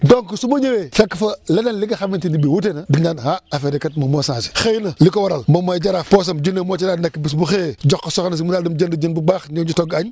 donc su ma ñëwee fekk fa leneen li nga xamante ni bii wuute na dañ naan ah affaire yi kat moom moo changé xëy na li ko waral moom mooy jaraaf poosam junne moo si daan nekk bis bu xëyeejox ko soxna si mu daal di dem jëndi jën bu baax ñëw ñu togg añ